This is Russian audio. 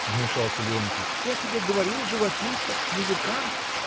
— вмешался Леонтий, — я тебе говорил: живописец, музыкант.